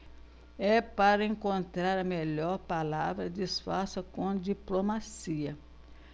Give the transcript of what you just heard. é para encontrar a melhor palavra disfarça com diplomacia